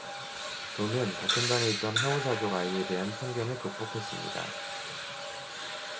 존은 같은 반에 있던 하우사족 아이에 대한 편견을 극복했습니다